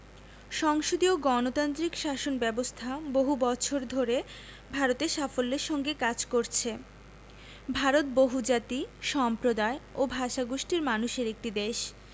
সংসদীয় গণতান্ত্রিক শাসন ব্যাবস্থা বহু বছর ধরে ভারতে সাফল্যের সঙ্গে কাজ করছে ভারত বহুজাতি সম্প্রদায় ও ভাষাগোষ্ঠীর মানুষের একটি দেশ